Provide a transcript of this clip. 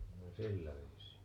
no sillä viisiin